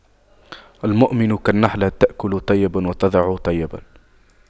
المؤمن كالنحلة تأكل طيبا وتضع طيبا